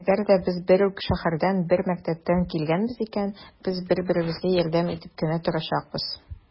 Әгәр дә без бер үк шәһәрдән, бер мәктәптән килгәнбез икән, бер-беребезгә ярдәм итеп кенә торачакбыз.